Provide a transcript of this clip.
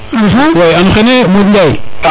axa ono xene Modou Ndiaye